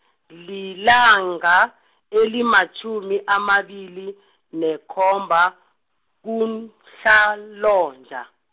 lilanga, elimatjhumi amabili, nekhomba, kuMhlolanja.